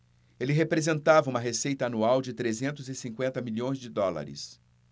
ele representava uma receita anual de trezentos e cinquenta milhões de dólares